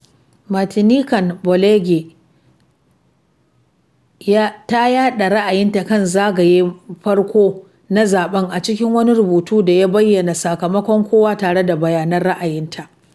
Martinican blogger [moi]'s playground ta yaɗa ra'ayinta kan zagaye farko na zaɓen, a cikin wani rubutu da ya bayyana sakamakon kowa, tare da bayanan ra’ayinta.